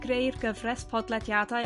greu'r gyfres podlediadau